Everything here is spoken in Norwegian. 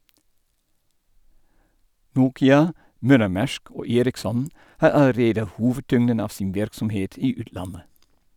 Nokia, Møller-Mærsk og Ericsson har allerede hovedtyngden av sin virksomhet i utlandet.